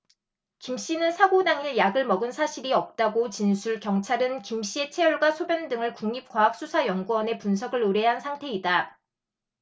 김씨는 사고 당일 약을 먹은 사실이 없다고 진술 경찰은 김씨의 채혈과 소변 등을 국립과학수사연구원에 분석을 의뢰한 상태이다